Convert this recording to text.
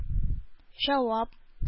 Җавап